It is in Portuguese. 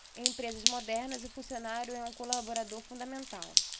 em empresas modernas o funcionário é um colaborador fundamental